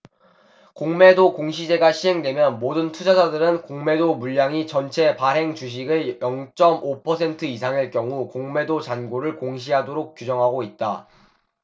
공매도 공시제가 시행되면 모든 투자자들은 공매도 물량이 전체 발행주식의 영 쩜 오 퍼센트 이상일 경우 공매도 잔고를 공시토록 규정하고 있다